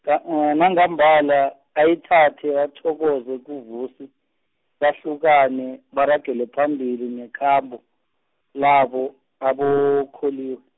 nga nangambala, ayithathe athokoze kuVusi, bahlukane, baragele phambili nekhambo, labo, aboKholiwe.